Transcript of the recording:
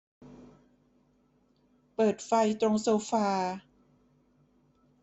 เปิดไฟตรงโซฟา